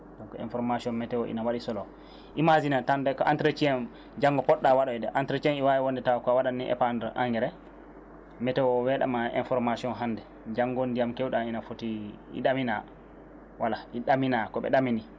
donc information météo ina waɗi solo imagine hannde ko entretien janŋgo ko poɗɗa waɗoyde entretien ɗi wawi wonde taw ko waɗani ni dépendre engrais météo weeɗama information hannde janŋgo ndiyam kewɗam ina footi ɗamina voilà ina ɗamina kooɓe ɗamini